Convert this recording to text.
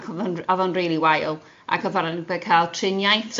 a, ac o'dd o'n rili wael, a o'dd o'n cael fel triniaeth.